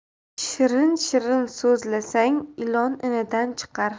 shirin shirin so'zlasang ilon inidan chiqar